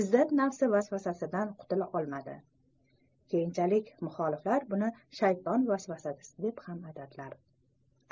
izzat nafsi vasvasasidan qutula olmadi keyinchalik muxoliflar buni shayton vasvasasi deb atadilar